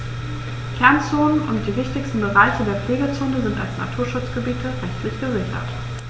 Kernzonen und die wichtigsten Bereiche der Pflegezone sind als Naturschutzgebiete rechtlich gesichert.